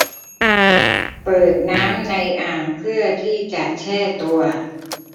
เปิดน้ำในอ่างเพื่อที่จะแช่ตัว